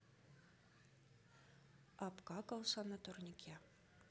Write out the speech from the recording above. обкакался на турнике